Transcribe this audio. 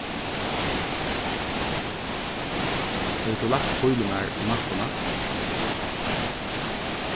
hevur tú lagt fílurnar í mappuna